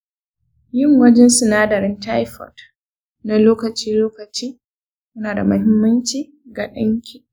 yin gwajin sinadarin thyroid na lokaci-lokaci yana da muhimmanci ga danki.